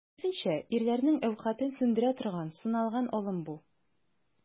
Киресенчә, ирләрнең әүкатен сүндерә торган, сыналган алым бу.